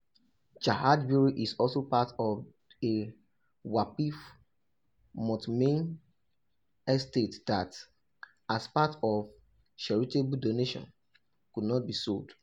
Jahaj Bari is also part of a Waqf (mortmain) estate that, as part of a charitable donation, could not be sold.